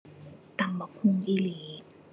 ตำบักหุ่งอีหลี